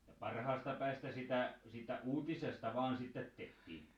että parhaasta päästä sitä siitä uutisesta vain sitten tehtiin